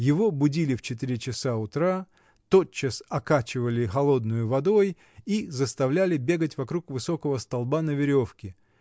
его будили в четыре часа утра, тотчас окачивали холодною водой и заставляли бегать вокруг высокого столба на веревке